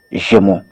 I se mɔn